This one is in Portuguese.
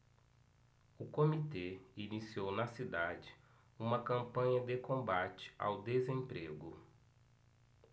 o comitê iniciou na cidade uma campanha de combate ao desemprego